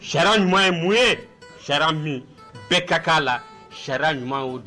Sariya ɲuman ye mun ye? Sariya min bɛɛ ka k'an la, sariya ɲuman y'o de